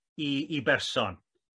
i i berson.